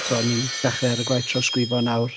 Timod ni'n dechre ar y gwaith trawsgrifo nawr.